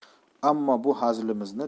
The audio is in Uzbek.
ammo bu hazilimizning